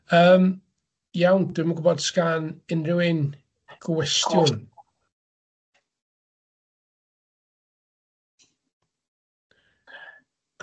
Yym iawn, dwi'm yn gwybod sga'n unryw un gwestiwn?